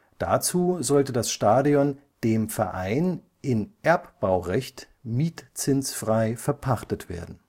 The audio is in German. Dazu sollte das Stadion dem Verein im Erbbaurecht mietzinsfrei verpachtet werden